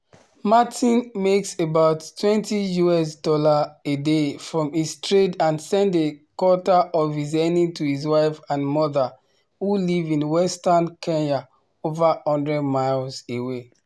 Martin makes about US$ 20 a day from his trade and sends a quarter of his earnings to his wife and mother, who live in Western Kenya, over 100 miles away.